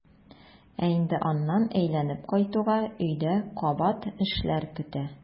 Ә инде аннан әйләнеп кайтуга өйдә кабат эшләр көтә.